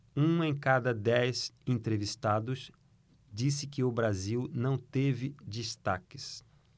um em cada dez entrevistados disse que o brasil não teve destaques